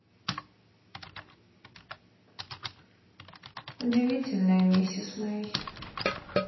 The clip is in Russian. удивительная миссис мей